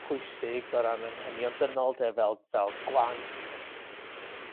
pwysig o ran anghenion dynol 'de fel fel gwaith